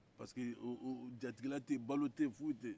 parce que eee eee jatigila tɛ yen balo tɛ yen foyi tɛ yen